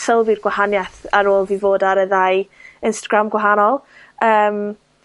sylwi'r gwahanieth ar ôl fi fod ar y ddau Instagram gwahanol. Yym.